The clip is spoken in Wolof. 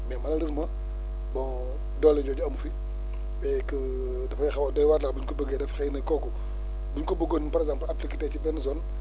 mais malheureusement bon doole jooju amu fi et que dafay xaw a doy waar daal bu ñu ko bëggee def xëy na kooku bu ñu ko bëggoon par exemple appliquer tey ci benn zone